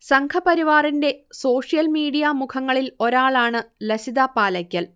സംഘപരിവാറിന്റെ social media മുഖങ്ങളിൽ ഒരാളാണ് ലസിത പാലയ്ക്കൽ